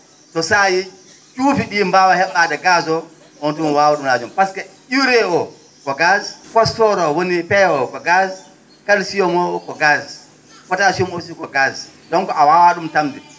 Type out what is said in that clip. so saayii ?uufi ?ii mbaawa he??aade gaz o oon tuma waawa ?umanajum pasque UREE o ko gaz phosphore o woni P oo ko gaz calcium o ko gaz potassium aussi ko gaz donc a waawaa ?um tamde